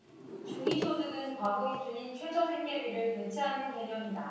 중위소득은 과거 기준인 최저생계비를 대체하는 개념이다